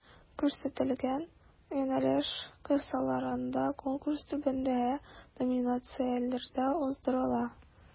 Күрсәтелгән юнәлеш кысаларында Конкурс түбәндәге номинацияләрдә уздырыла: